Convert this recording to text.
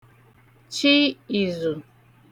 chị ìzù